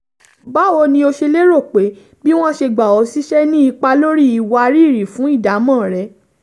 Báwo ni o ṣe lérò pé bí wọ́n ṣe gbà ọ́ sìn ṣe ní ipa lórí ìwárìrì fún ìdámọ̀ rẹ?